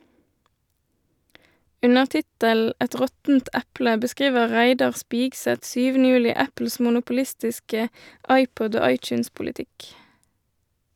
Under tittelen "Et råttent eple" beskriver Reidar Spigseth 7. juli Apples monopolistiske iPod- og iTunes-politikk.